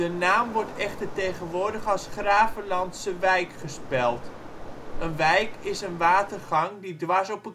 naam wordt echter tegenwoordig als Gravelandsewijk gespeld (een wijk is een watergang die dwars op